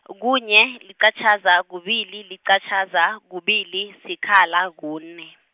kunye, liqatjhaza, kubili, liqatjhaza, kubili, sikhala, kune.